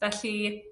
Felly